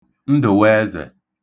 Ndə̣̀wẹẹzẹ̀